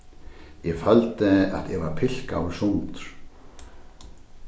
eg føldi at eg var pilkaður sundur